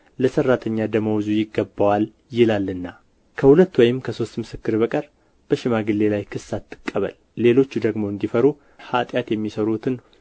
ለሠራተኛ ደመወዙ ይገባዋል ይላልና ከሁለት ወይም ከሦስት ምስክር በቀር በሽማግሌ ላይ ክስ አትቀበል ሌሎቹ ደግሞ እንዲፈሩ ኃጢአት የሚሰሩትን